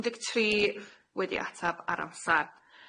Un deg tri wedi atab ar amsar.